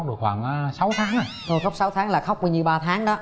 được khoảng sáu tháng rồi thôi khóc sáu tháng là khóc bao nhiêu ba tháng đó